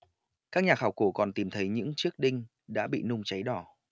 các nhà khảo cổ còn tìm thấy những chiếc đinh đã bị nung cháy đỏ